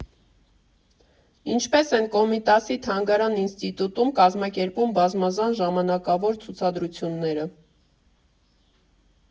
Ինչպես են Կոմիտասի թանգարան֊ինստիտուտում կազմակերպում բազմազան ժամանակավոր ցուցադրությունները։